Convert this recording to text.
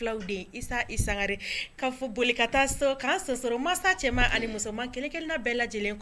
Boli mansa cɛ ali muso ma kelen kelen bɛɛ lajɛ lajɛlen